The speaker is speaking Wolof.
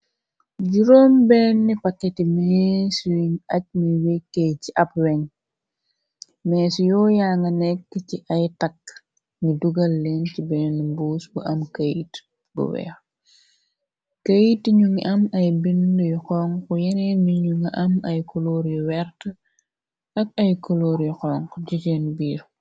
Jiroom benni paketyi méesuin ak mi wekkée ci ab weñ meesi yoo yaa nga nekk ci ay takk ni dugal leen ci benn mbuus bu am keyït bu weex keyïti ñu nga am ay bindi yu xonk yeneen ni ñu nga am ay koloor yu werte ak ay koloor yu xonxu siseen biir.